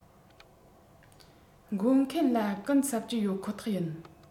མཁོ མཁན ལ གུན གསབ ཀྱི ཡོད ཁོ ཐག ཡིན